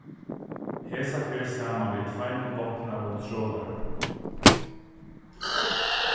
hesa ferð saman við tveimum vápnaðum trolarum